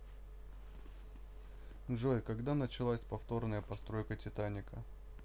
джой когда началась повторная постройка титаника